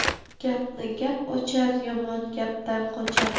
gapni gap ochar yomon gapdan qochar